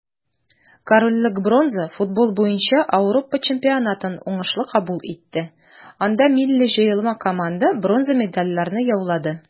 Корольлек бронза футбол буенча Ауропа чемпионатын уңышлы кабул итте, анда милли җыелма команда бронза медальләрне яулады.